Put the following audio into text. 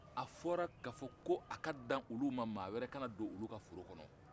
a fɔra ka fɔ ko a dan olu ma mɔgɔ kana don olu foro kɔnɔ